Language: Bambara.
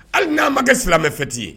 Hali n'an ma kɛ silamɛmɛ fiti ye